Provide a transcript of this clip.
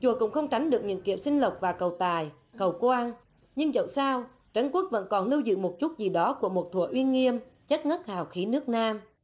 chùa cũng không tránh được những kiểu sinh lộc và cầu tài cầu quan nhưng dẫu sao trấn quốc vẫn còn lưu giữ một chút gì đó của một thuở uy nghiêm chất ngất hào khí nước nam